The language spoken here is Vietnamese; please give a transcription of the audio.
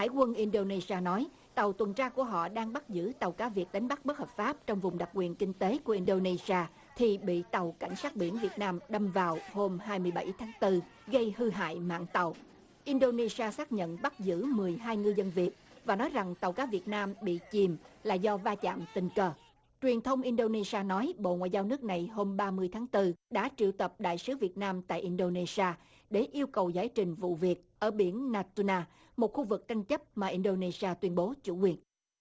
hải quân in đô nê xi a nói tàu tuần tra của họ đang bắt giữ tàu cá việc đánh bắt bất hợp pháp trong vùng đặc quyền kinh tế của in đô nê xi a thì bị tàu cảnh sát biển việt nam đâm vào hôm hai mươi bảy tháng tư gây hư hại mạn tàu in đô nê xi a xác nhận bắt giữ mười hai ngư dân việt và nói rằng tàu cá việt nam bị chìm là do va chạm tình cờ truyền thông in đô nê xi a nói bộ ngoại giao nước này hôm ba mươi tháng tư đã triệu tập đại sứ việt nam tại in đô nê xi a để yêu cầu giải trình vụ việc ở biển na tu na một khu vực tranh chấp mà in đô nê xi a tuyên bố chủ quyền